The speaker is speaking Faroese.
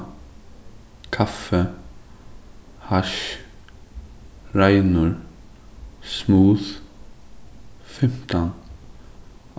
kaffi hassj reinur smooth fimtan